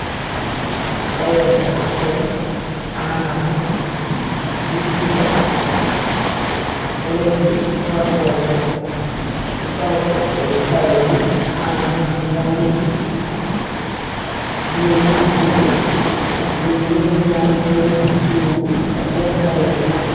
kaye ngay seen manam bukk biñ binda eleef yi warko jang ci kaw kayé bi manam buk bi yaa nge gis jigéen bu mu suuru ab yeneen ñaayi jigéen bu mu suuru ab benn xale bu bóur si